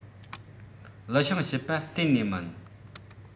ལི ཤིང བཤད པ གཏན ནས མིན